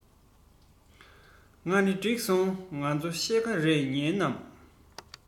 ད ནི གྲིགས སོང ང ཚོ གཞས ག རེ ཉན ནམ